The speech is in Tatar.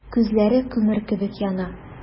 Күзләре күмер кебек яна.